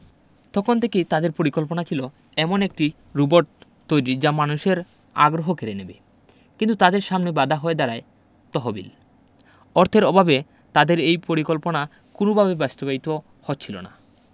তখন থেকেই তাদের পরিকল্পনা ছিল এমন একটি রোবট তৈরির যা মানুষের আগ্রহ কেড়ে নেবে কিন্তু তাদের সামনে বাধা হয়ে দাঁড়ায় তহবিল অর্থের অভাবে তাদের এই পরিকল্পনা কোনওভাবেই বাস্তবায়িত হচ্ছিল না